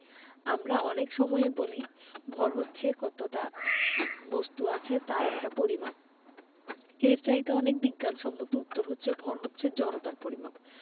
আমরা অনেক সময়েই বলি ভর হচ্ছে কতটা বস্তু আছে তার একটা পরিমাপ এর চাইতে অনেক বিজ্ঞানসম্মত উত্তর হচ্ছে ভর হচ্ছে জড়তার পরিমাপ